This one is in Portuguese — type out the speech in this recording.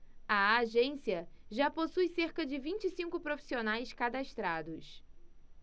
a agência já possui cerca de vinte e cinco profissionais cadastrados